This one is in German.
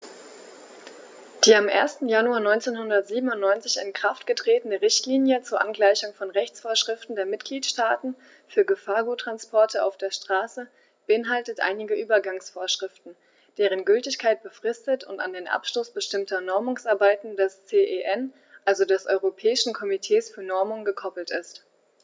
Die am 1. Januar 1997 in Kraft getretene Richtlinie zur Angleichung von Rechtsvorschriften der Mitgliedstaaten für Gefahrguttransporte auf der Straße beinhaltet einige Übergangsvorschriften, deren Gültigkeit befristet und an den Abschluss bestimmter Normungsarbeiten des CEN, also des Europäischen Komitees für Normung, gekoppelt ist.